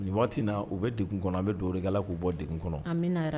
Waati na u bɛ de kɔnɔ an bɛ donɛrɛ k'u bɔ de kɔnɔ